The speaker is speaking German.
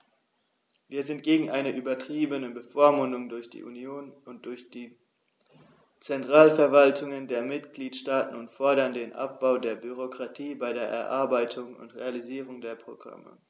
Wir sind gegen eine übertriebene Bevormundung durch die Union und die Zentralverwaltungen der Mitgliedstaaten und fordern den Abbau der Bürokratie bei der Erarbeitung und Realisierung der Programme.